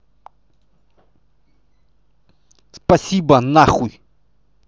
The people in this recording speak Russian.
спасибо нахуй